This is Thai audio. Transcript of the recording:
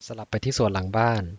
สลับไปที่สวนหลังบ้าน